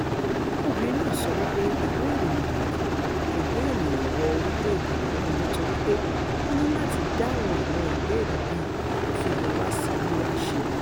Obìnrin náà sọ wípé ìwé ìrìnnà nìkan kò gbé ènìyàn wọ orílẹ̀-èdè mìíràn nítorí pé "o ní láti dáhùn àwọn ìbéèrè bíi, Kí ló wa síbí wá ṣe?"